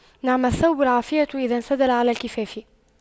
نعم الثوب العافية إذا انسدل على الكفاف